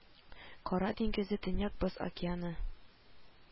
Кара диңгезе, Төньяк Боз океаны